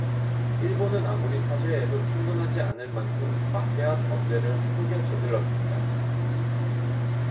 일본은 아무리 사죄해도 충분하지 않을 만큼 막대한 범죄를 한국에 저질렀습니다